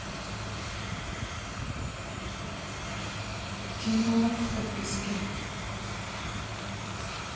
кино в подписке